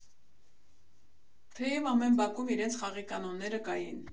Թեև ամեն բակում իրենց խաղի կանոնները կային։